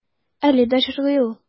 Әле дә җырлый ул.